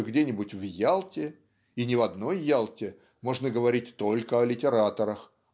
что где-нибудь в Ялте (и не в одной Ялте) можно говорить "только о литераторах"